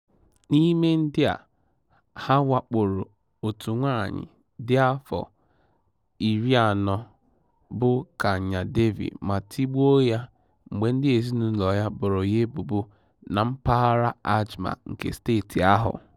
N'ime ndị a, ha wakporo otu nwaanyị dị afọ 40 bụ Kanya Devi ma tigbuo ya mgbe ndị ezinaụlọ ya boro ya ebubo na mpaghara Ajmer nke steeti ahụ